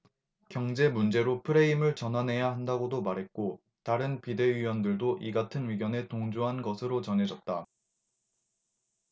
경제 문제로 프레임을 전환해야 한다고도 말했고 다른 비대위원들도 이 같은 의견에 동조한 것으로 전해졌다